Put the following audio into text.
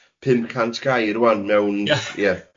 pum cant gair wan mewn... Ia... Ia.